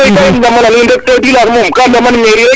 kam dama na nuun rek chef du village moom ka daman mairie rek